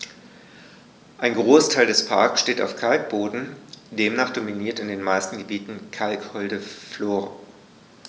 Ein Großteil des Parks steht auf Kalkboden, demnach dominiert in den meisten Gebieten kalkholde Flora.